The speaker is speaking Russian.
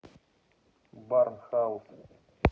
барн хаус